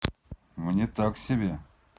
мне так себе